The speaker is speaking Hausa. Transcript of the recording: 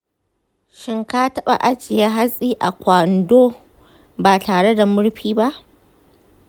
shin ka taba ajiye hatsi a kwando ba tare da murfi ba?